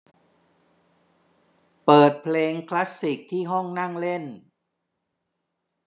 เปิดเพลงคลาสสิกที่ห้องนั่งเล่น